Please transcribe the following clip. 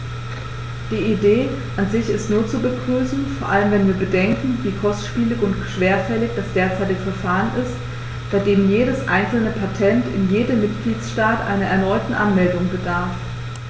Die Idee an sich ist nur zu begrüßen, vor allem wenn wir bedenken, wie kostspielig und schwerfällig das derzeitige Verfahren ist, bei dem jedes einzelne Patent in jedem Mitgliedstaat einer erneuten Anmeldung bedarf.